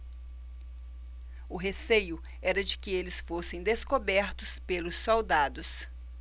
o receio era de que eles fossem descobertos pelos soldados